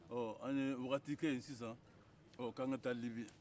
an ye wagati kɛ yen sisan k'an ka taa libi